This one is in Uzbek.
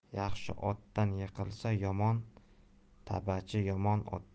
yaxshi otdan yiqilsa yomon tabachi